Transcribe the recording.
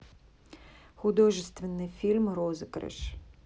художественный фильм розыгрыш